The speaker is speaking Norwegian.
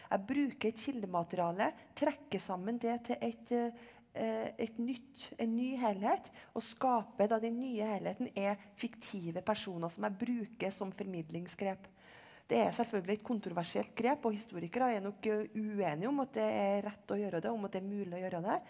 jeg bruker et kildemateriale trekker sammen det til et et nytt en ny helhet og skaper da den nye helheten er fiktive personer som jeg bruker som formidlingsgrep det er selvfølgelig et kontroversielt grep og historikere er nok uenige om at det er rett å gjøre det om at det er mulig å gjøre det.